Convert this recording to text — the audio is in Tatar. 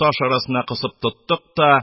Таш арасына кысып тоттык та